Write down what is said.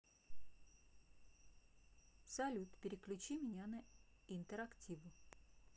салют переключи меня на интерактиву